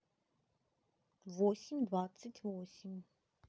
восемь двадцать восемь